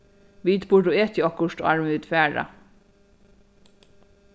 vit burdu etið okkurt áðrenn vit fara